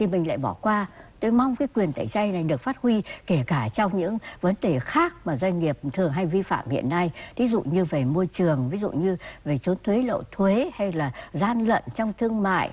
thì mình lại bỏ qua tôi mong cái quyền tẩy chay này được phát huy kể cả trong những vấn đề khác và doanh nghiệp thường hay vi phạm hiện nay thí dụ như về môi trường ví dụ như về trốn thuế lậu thuế hay là gian lận trong thương mại